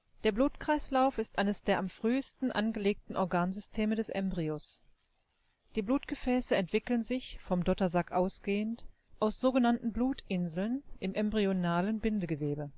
Der Blutkreislauf ist eines der am frühesten angelegten Organsysteme des Embryos. Die Blutgefäße entwickeln sich, vom Dottersack ausgehend, aus sogenannten „ Blutinseln “im embryonalen Bindegewebe